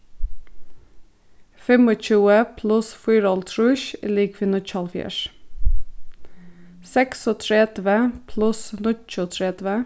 fimmogtjúgu pluss fýraoghálvtrýss er ligvið níggjuoghálvfjerðs seksogtretivu pluss níggjuogtretivu